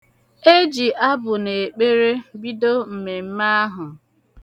E ji abụ na ekpere bido mmemme ahụ